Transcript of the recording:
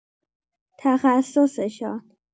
تخصصشان؟